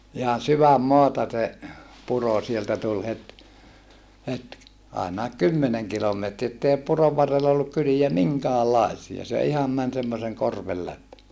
ihan sydänmaata se puro sieltä tuli heti heti ainakin kymmenen kilometriä että ei puron varrella ollut kyliä minkäänlaisia se ihan meni semmoisen korven läpi